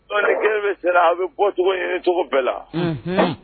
Dɔnku kelen bɛ se a bɛ bɔcogo ɲini cogo bɛɛ la